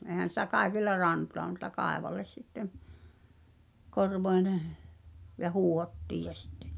eihän sitä kaikilla rantaa mutta kaivolle sitten - korvoineen ja huuhdottiin ja sitten